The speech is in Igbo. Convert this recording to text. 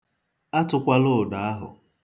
A tụkwala ụdọ ahụ.